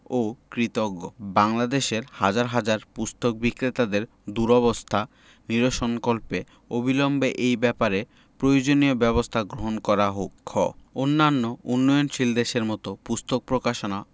ও কৃতজ্ঞ বাংলাদেশের হাজার হাজার পুস্তক বিক্রেতাদের দুরবস্থা নিরসনকল্পে অবিলম্বে এই ব্যাপারে প্রয়োজনীয় ব্যাবস্থা গ্রহণ করা হোক খ অন্যান্য উন্নয়নশীল দেশের মত পুস্তক প্রকাশনা